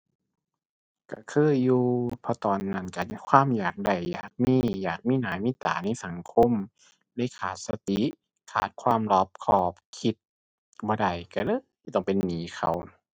ก็เคยอยู่ เพราะตอนนั้นก็อยาก ความอยากได้อยากมี อยากมีหน้ามีตาในสังคมเลยขาดสติ ขาดความรอบคอบ คิดบ่ได้ ก็เลยต้องเป็นหนี้เขา